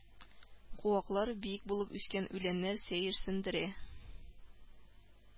Куаклар, биек булып үскән үләннәр сәерсендерә